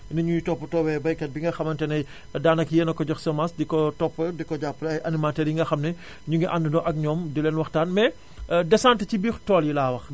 nuñuy toppatoowee baykat bi nga xamante ne daanaka yéen a ko jox semence di ko topp di ko jàppale animateurs yi nga xam ne ñu ngi àndandoo ak ñoom di leen waxtaan mais décente ci biir tool yi laa wax